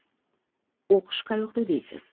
o'qish qayoqda deysiz